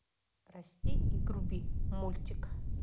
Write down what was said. расти и груби мультик